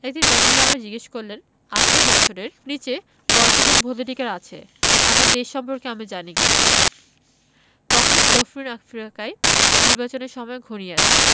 একদিন ম্যান্ডেলা আমাকে জিজ্ঞেস করলেন ১৮ বছরের নিচের বয়সীদের ভোটাধিকার আছে এমন দেশ সম্পর্কে আমি জানি কি না তখন দক্ষিণ আফ্রিকায় নির্বাচনের সময় ঘনিয়ে আসছে